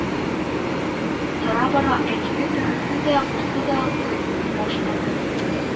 Тора-бара әтине тегесе дә, бусы да сыйлый башлады